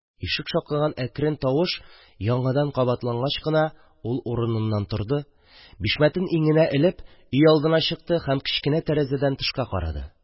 Ишек шакыган әкрен тавыш яңадан кабатлангач кына, ул урыныннан торды, бишмәтен иңенә элеп, өйалдына чыкты һәм кечкенә тәрәзәдән тышка карады.